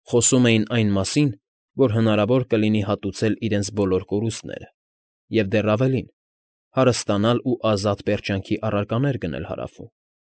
Խոսում էին այն մասին, որ հավանաբար կլինի հատուցել իրենց բոլոր կորուստները և դեռ ավելին, հարստանալ ու ազատ պերճանքի առարկաներ գնել Հարավում։